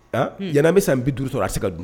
Aa ɲana bɛ san bi duuru sɔrɔ a se ka don